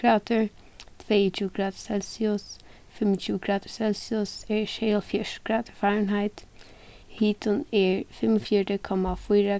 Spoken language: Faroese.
gradir tveyogtjúgu gradir celsius fimmogtjúgu gradir celsius eru sjeyoghálvfjerðs gradir fahrenheit hitin er fimmogfjøruti komma fýra